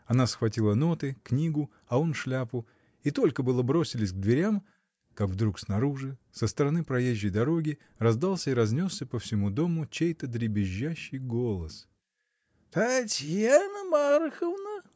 Она схватила ноты, книгу, а он шляпу, и только было бросились к дверям, как вдруг снаружи, со стороны проезжей дороги, раздался и разнесся по всему дому чей-то дребезжащий голос. — Татьяна Марковна!